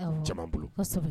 Caman bolo